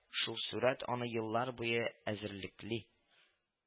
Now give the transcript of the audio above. Шул сурәт аны еллар буе эзәрлекли